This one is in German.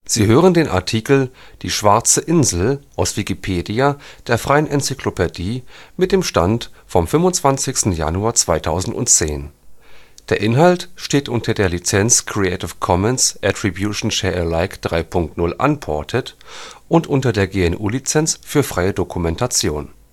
Sie hören den Artikel Die schwarze Insel, aus Wikipedia, der freien Enzyklopädie. Mit dem Stand vom Der Inhalt steht unter der Lizenz Creative Commons Attribution Share Alike 3 Punkt 0 Unported und unter der GNU Lizenz für freie Dokumentation